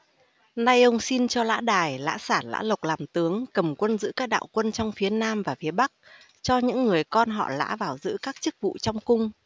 nay ông xin cho lã đài lã sản lã lộc làm tướng cầm quân giữ các đạo quân trong phía nam và phía bắc cho những người con họ lã vào giữ các chức vụ trong cung